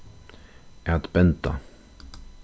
at benda